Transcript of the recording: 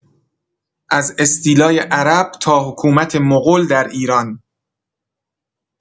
از استیلای عرب تا حکومت مغول در ایران